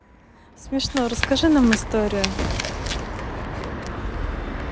смешно расскажи нам историю